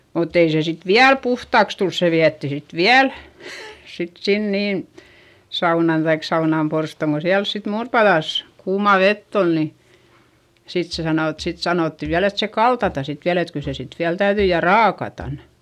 mutta ei se sitten vielä puhtaaksi tullut se vietiin sitten vielä sitten sinne niin saunaan tai saunanporstoon kun siellä sitten muuripadassa kuumaa vettä oli niin sitten se sanoi että sitten sanottiin vielä että se kaltataan sitten vielä että kyllä se sitten vielä täytyi ja raakataan